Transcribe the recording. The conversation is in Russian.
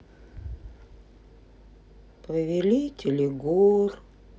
повелители гор